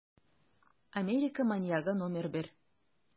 Америка маньягы № 1